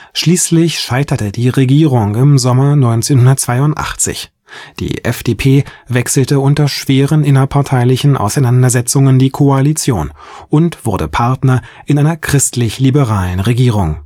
Schließlich scheiterte die Regierung im Sommer 1982, die FDP wechselte unter schweren innerparteilichen Auseinandersetzungen die Koalition und wurde Partner in einer christlich-liberalen Regierung